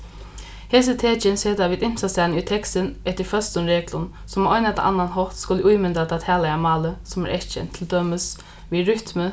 hesi tekin seta vit ymsastaðni í tekstin eftir føstum reglum sum á ein ella annan hátt skulu ímynda tað talaða málið sum er eyðkent til dømis við rytmu